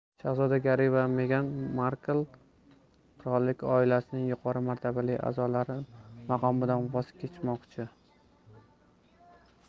shahzoda garri va megan markl qirollik oilasining yuqori martabali a'zolari maqomidan voz kechmoqchi